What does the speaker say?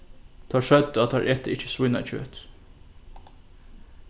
teir søgdu at teir eta ikki svínakjøt